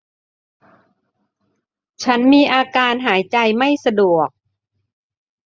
ฉันมีอาการหายใจไม่สะดวก